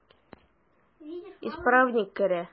Исправник керә.